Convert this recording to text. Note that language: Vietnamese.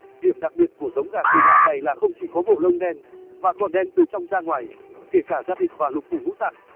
điểm đặc biệt của giống gà kỳ lạ này là không chỉ có bộ lông đen mà còn đen từ trong ra ngoài kể cả da thịt và lục phủ ngũ tạng